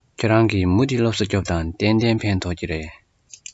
ཁྱེད རང གིས མུ མཐུད སློབ གསོ རྒྱོབས དང གཏན གཏན ཕན ཐོགས ཀྱི རེད